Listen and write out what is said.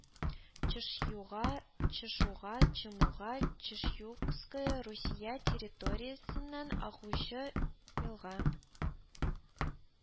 Чешьюга Чешуга, Чемуга, Чешьюгская Русия территориясеннән агучы елга